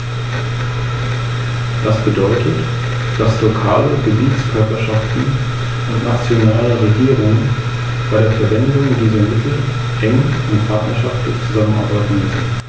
Die Voraussetzungen in den einzelnen Mitgliedstaaten sind sehr verschieden.